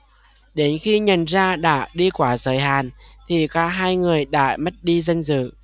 đến khi nhận ra đã đi quá giới hạn thì cả hai người đã mất đi danh dự